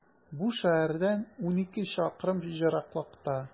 Бу шәһәрдән унике чакрым ераклыкта.